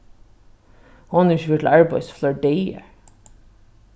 hon hevur ikki verið til arbeiðis í fleiri dagar